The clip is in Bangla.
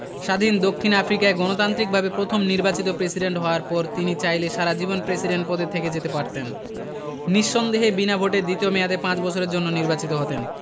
স্বাধীন দক্ষিণ আফ্রিকায় গণতান্ত্রিকভাবে প্রথম নির্বাচিত প্রেসিডেন্ট হওয়ার পর তিনি চাইলে সারা জীবন প্রেসিডেন্ট পদে থেকে যেতে পারতেন নিঃসন্দেহে বিনা ভোটে দ্বিতীয় মেয়াদে পাঁচ বছরের জন্য নির্বাচিত হতেন